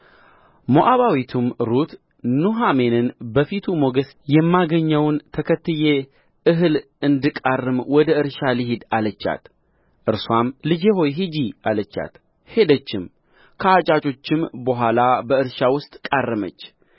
ሞዓባዊቱም ሩት ኑኃሚንን በፊቱ ሞገስ የማገኘውን ተከትዬ እህል እንድቃርም ወደ እርሻ ልሂድ አለቻት እርስዋም ልጄ ሆይ ሂጂ አለቻት ሄደችም ከአጫጆችም በኋኋኋ ላ በእርሻ ውስጥ ቃረ